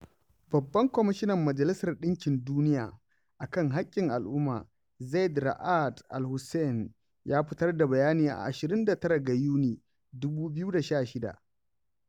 Babban kwamishinan Majalisar ɗinkin Duniya a kan haƙƙin al'umma, Zeid Ra'ad Al Hussein ya fitar da bayani a 29 ga Yuni, 2016.